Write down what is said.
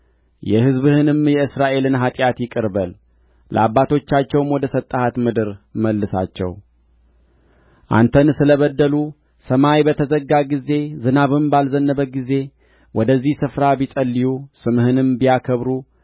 የሕዝብህንም የእስራኤልን ኃጢአት ይቅር በል ለአባቶቻቸውም ወደ ሰጠሃት ምድር መልሳቸው አንተን ስለ በደሉ ሰማይ በተዘጋ ጊዜ ዝናብም ባልዘነበ ጊዜ ወደዚህ ስፍራ ቢጸልዩ ስምህንም ቢያከብሩ